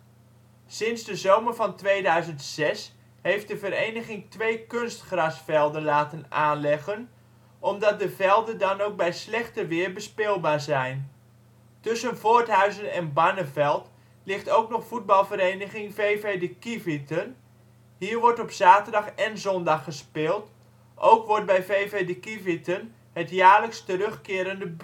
Sinds de zomer van 2006 heeft de vereniging 2 kunstgrasvelden laten aanleggen, omdat de velden dan ook bij slechter weer bespeelbaar zijn. Tussen Voorthuizen en Barneveld ligt ook nog voetbalvereniging V.V. de Kieviten, hier wordt op zaterdag en zondag gespeeld, ook wordt bij V.V. de Kieviten het jaarlijks terugkerende